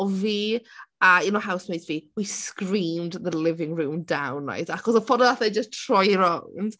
O' fi a un o housemates fi, we screamed the living room down right achos y ffordd wnaeth e jyst troi rownd.